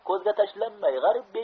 ko'zga tashlanmay